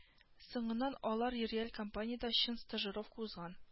Соңыннан алар иреаль компаниядә чын стажировка узган